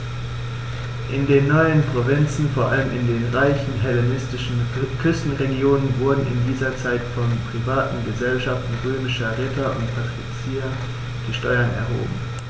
In den neuen Provinzen, vor allem in den reichen hellenistischen Küstenregionen, wurden in dieser Zeit von privaten „Gesellschaften“ römischer Ritter und Patrizier die Steuern erhoben.